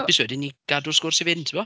Hapus wedyn i gadw'r sgwrs i fynd timod.